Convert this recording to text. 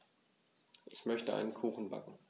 Ich möchte einen Kuchen backen.